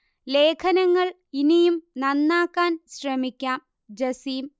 ലേഖനങ്ങൾ ഇനിയും നന്നാക്കാൻ ശ്രമിക്കാം ജസീം